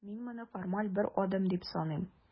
Мин моны формаль бер адым дип саныйм.